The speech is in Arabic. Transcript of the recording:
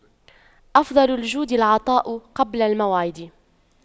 أفضل الجود العطاء قبل الموعد